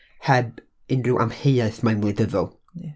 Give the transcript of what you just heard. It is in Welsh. heb unrhyw amheuaeth, mae'n wleidyddol.